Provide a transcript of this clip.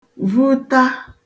vuta